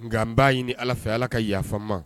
Nka n b'a ɲini alafɛ ala ka yafama